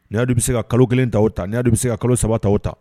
N y'a bɛ se ka kalo kelen ta u ta n'i'a bɛ se ka kalo saba ta u ta